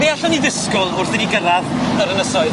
Be allwn ni ddisgwl wrth i ni gyrradd yr ynysoedd?